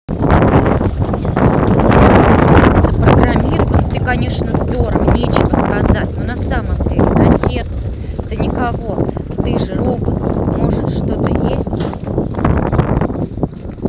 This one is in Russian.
запрограммирован ты конечно здорово нечего сказать но на самом деле на сердце то никого ты же робот может что то есть